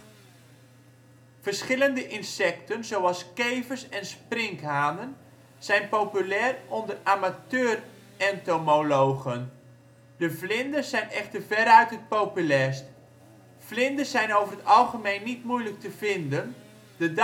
Verschillende insecten, zoals kevers en sprinkhanen, zijn populair onder amateur-entomologen. De vlinders zijn echter veruit het populairst. Vlinders zijn over het algemeen niet moeilijk te vinden; de